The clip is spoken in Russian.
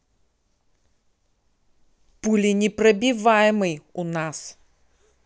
пуленепробиваемый у нас